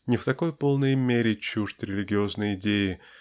не в такой полной мере чужд религиозной идеи